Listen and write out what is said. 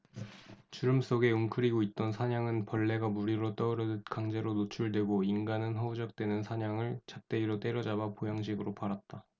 주름 속에 웅크리고 있던 산양은 벌레가 물위로 떠오르듯 강제로 노출되고 인간은 허우적대는 산양을 작대기로 때려잡아 보양식으로 팔았다